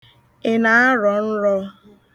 Ị na-arọ nrọ?